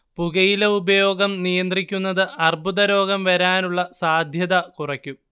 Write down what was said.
പുകയില ഉപയോഗം നിയന്ത്രിക്കുന്നത് അർബുദരോഗം വരാനുള്ള സാധ്യത കുറയ്ക്കും